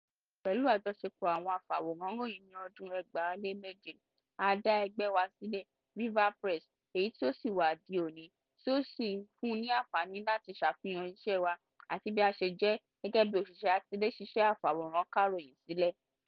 Pẹ̀lú àjọṣepọ̀ àwọn afawọ̀ran-ròyìn ní ọdún 2007 , a dá ẹgbẹ́ wa sílẹ̀, RIVA PRESS, eyí tí ó ṣì wà di òní tí ó sì ń fún ní àńfààní láti ṣàfihàn iṣẹ́ wa àti bí a ṣe jẹ́ gẹ́gẹ́ bi òṣìṣẹ́ atilé-ṣiṣẹ́ afàwòrán ká ìròyìn sílẹ̀.